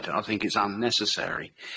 I think it's unnecessary.